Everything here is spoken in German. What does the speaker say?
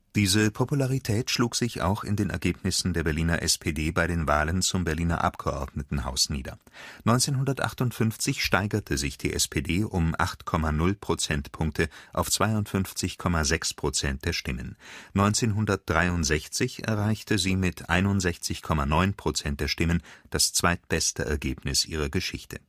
Diese Popularität schlug sich auch in den Ergebnissen der Berliner SPD bei den Wahlen zum Berliner Abgeordnetenhaus nieder: 1958 steigerte sich die SPD um 8,0 Prozentpunkte auf 52,6 % der Stimmen, 1963 erreichte sie mit 61,9 % der Stimmen das zweitbeste Ergebnis ihrer Geschichte